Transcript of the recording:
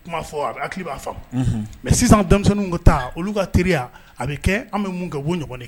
Kuma fɔ a hakili b'a fɔ mɛ sisan denmisɛnnin ka taa olu ka teriya a bɛ kɛ an bɛ mun ka bɔ ɲɔgɔn kɛ